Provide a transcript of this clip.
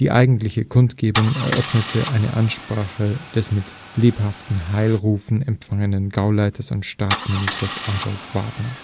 eigentliche Kundgebung eröffnete eine Ansprache des mit lebhaften Heilrufen empfangenen Gauleiters und Staatsministers Adolf Wagner